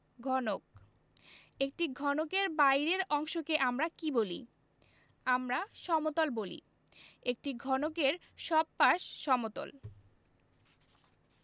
ঘনকঃ একটি ঘনকের বাইরের অংশকে আমরা কী বলি আমরা সমতল বলি একটি ঘনকের সব পাশ সমতল